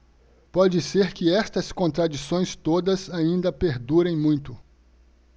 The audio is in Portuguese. pode ser que estas contradições todas ainda perdurem muito